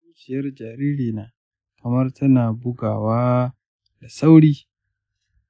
zuciyar jaririna kamar tana bugawa da sauri sosai.